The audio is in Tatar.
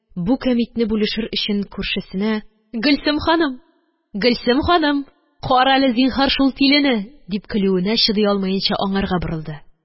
Бу кәмитне бүлешер өчен күршесенә: – гөлсем ханым, гөлсем ханым! кара әле, зинһар, шул тилене, – дип, көлүенә чыдый алмаенча, аңарга борылды